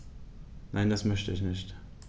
Nein, das möchte ich nicht.